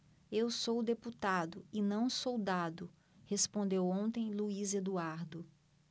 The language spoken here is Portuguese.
eu sou deputado e não soldado respondeu ontem luís eduardo